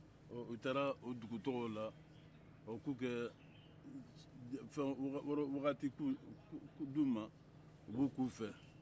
ɔɔ u taara o dugu tɔgɔ o la k'u ka wagati d'u ma u b'o kɛ u fɛ